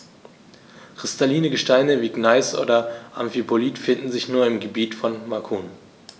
Kristalline Gesteine wie Gneis oder Amphibolit finden sich nur im Gebiet von Macun.